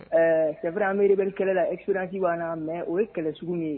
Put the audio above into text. Ɛɛ sɛererierebri kɛlɛ la esurransi banna mɛ o ye kɛlɛ sugu de ye